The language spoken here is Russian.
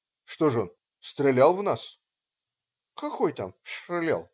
"Что же, он стрелял в нас?" - "Какой там стрелял".